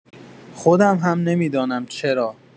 خودم هم نمی‌دانم چرا.